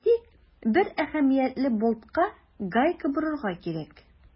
Әйтик, бер әһәмиятле болтка гайка борырга кирәк.